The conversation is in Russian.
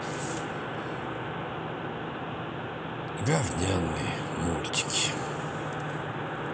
говняные мультики